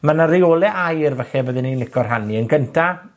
ma' 'na reole aur falle byddwn i'n lico rhannu. Yn gynta,